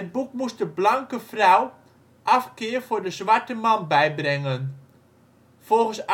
boek moest de blanke vrouw afkeer voor de zwarte man bijbrengen. Volgens